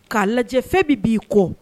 K'a lajɛ fɛn bɛ b'i kɔ